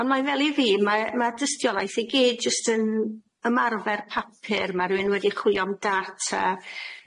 ond mae fel i fi mae ma' dystiolaeth i gyd jyst yn ymarfer papur ma' rywun wedi chwilio am data,